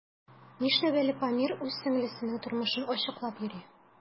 Нишләп әле Памир үз сеңлесенең тормышын ачыклап йөри?